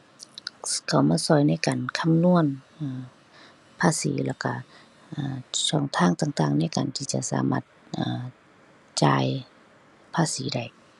เข้ามาช่วยในการคำนวณ อื้อ ภาษีแล้วช่วย เอ่อ ช่องทางต่างต่างในการที่จะสามารถ เอ่อ จ่ายภาษีได้